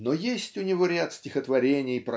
Но есть у него ряд стихотворений